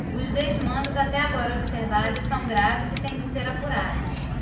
os desmandos até agora observados são graves e têm de ser apurados